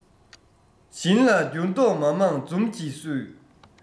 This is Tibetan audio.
བཞིན ལ འགྱུར ལྡོག མ མང འཛུམ གྱིས བསུས